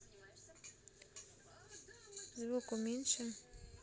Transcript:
звук уменьши